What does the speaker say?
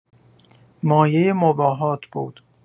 مایه مباهات بود